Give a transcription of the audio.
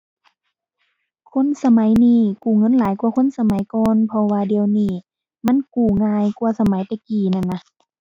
คนสมัยนี้กู้เงินหลายกว่าคนสมัยก่อน เพราะว่าเดี๋ยวนี้มันกู้ง่ายกว่าสมัยแต่กี้นั้นนะ